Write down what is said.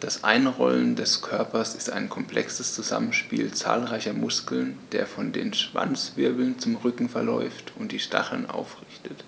Das Einrollen des Körpers ist ein komplexes Zusammenspiel zahlreicher Muskeln, der von den Schwanzwirbeln zum Rücken verläuft und die Stacheln aufrichtet,